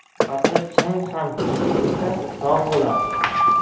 hatto chang ham yig'ilsa tog' bo'ladi